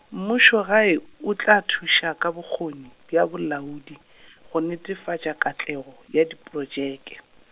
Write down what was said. mmušogae, o tla thuša ka bokgoni, bja bolaodi, go netefatša katlego, ya diprotšeke.